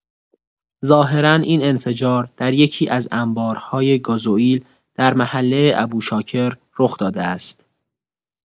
ظاهرا این انفجار در یکی‌از انبارهای گازوئیل در محله ابوشاکر رخ داده است.